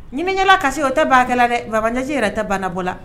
Ɲinkɛla kasi o tɛ ban baarakɛ dɛ babasi yɛrɛ tɛ banabɔ la